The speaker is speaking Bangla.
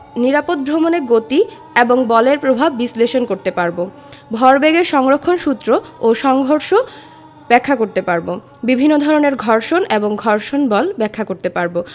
নিরাপদ ভ্রমণে গতি এবং বলের প্রভাব বিশ্লেষণ করতে পারব ভরবেগের সংরক্ষণ সূত্র ও সংঘর্ষ ব্যাখ্যা করতে পারব বিভিন্ন প্রকার ঘর্ষণ এবং ঘর্ষণ বল ব্যাখ্যা করতে পারব